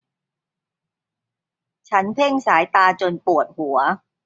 ฉันเพ่งสายตาจนปวดหัว